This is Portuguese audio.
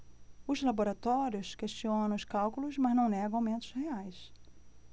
os laboratórios questionam os cálculos mas não negam aumentos reais